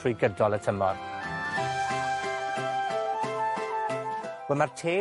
trwy gydol y tymor. Wel ma'r te